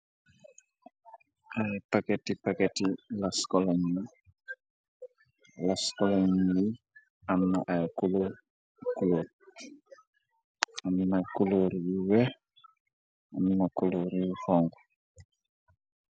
Ay paketi paketi lascolon la lascolon be amna ay mina kuloor yu weex amna kolor yu xonko.